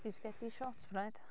Bisgedi shortbread